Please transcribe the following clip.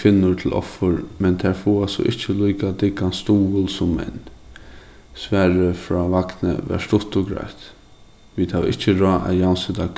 kvinnur til offur men tær fáa so ikki líka dyggan stuðul sum menn svarið frá vagni var stutt og greitt vit hava ikki ráð at javnseta